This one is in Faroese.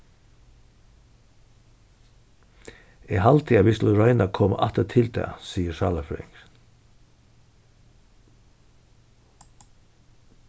eg haldi at vit skulu royna at koma aftur til tað sigur sálarfrøðingurin